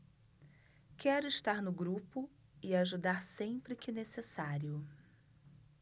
quero estar no grupo e ajudar sempre que necessário